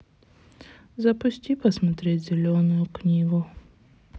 запусти посмотреть зеленую книгу